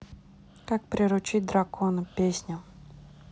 как приручить дракона песня